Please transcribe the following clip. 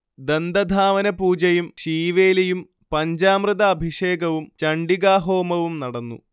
ദന്തധാവനപൂജയും ശീവേലിയും പഞ്ചാമൃത അഭിഷേകവും ചണ്ഡികാഹോമവും നടന്നു